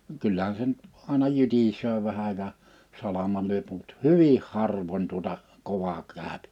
vaan kyllähän se nyt aina jytisee vähän ja salamalla lyö mutta hyvin harvoin tuota kovaksi käy